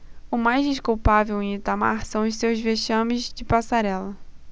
o mais desculpável em itamar são os seus vexames de passarela